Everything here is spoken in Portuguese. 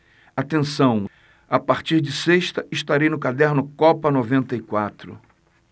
atenção a partir de sexta estarei no caderno copa noventa e quatro